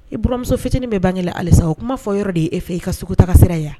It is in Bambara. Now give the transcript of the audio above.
I buramuso fitinin bɛ bange la halisa o kuma fɔ yɔrɔ de ye e fɛ i ka sugu taa sira ye a.